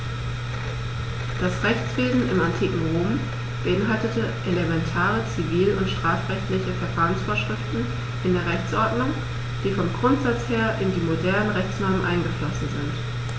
Das Rechtswesen im antiken Rom beinhaltete elementare zivil- und strafrechtliche Verfahrensvorschriften in der Rechtsordnung, die vom Grundsatz her in die modernen Rechtsnormen eingeflossen sind.